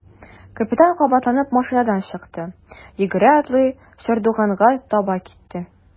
Капитан кабаланып машинадан чыкты, йөгерә-атлый чардуганга таба китте.